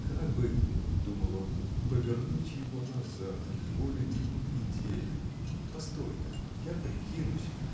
Как бы, – думал он, – повернуть его назад, к его любимым идеям. Постой-ка, я прикинусь.